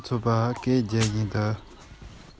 གཅེན གཅུང རྣམས ཀྱིས ངའི ཀླད པ ལ